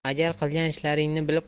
agar qilgan ishlaringni bilib